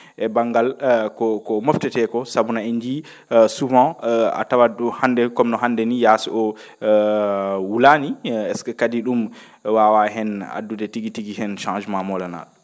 e banngal e ko ko moftetee koo sabuna en njiyii souvent a tawat ?oo hannde comme no hannde nii yaas oo wulaani est ce que kadi ?um waawaa heen addude tigi tigi heen changement moolana?o